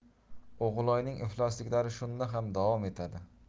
o'g'iloyning iflosliklari shunda ham davom etadi